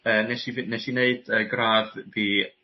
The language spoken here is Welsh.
yy nesh i fyn- nesh i neud yy gradd fi...